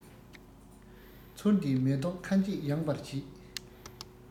ཚུལ འདིས མེ ཏོག ཁ འབྱེད ཡངས པར བྱེད